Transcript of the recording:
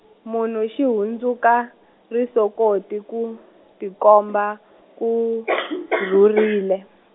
munhu xi hundzuka, risokoti ku tikomba ku rhurile.